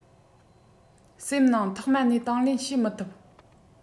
སེམས ནང ཐོག མ ནས དང ལེན བྱེད མི ཐུབ